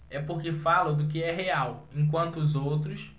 é porque falo do que é real enquanto os outros